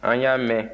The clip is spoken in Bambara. an y'a mɛn